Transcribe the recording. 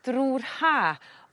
drw'r Ha